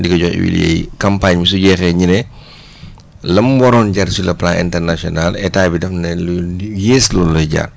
di ko jox huiliers yi campagne su jeexee ñu ne la mu waroon jar sur le plan internaional état di daf ne lu yées loolu lay jar